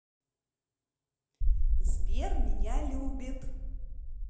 сбер меня любит